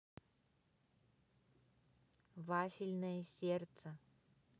вафельное сердце